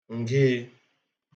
ǹgịị̄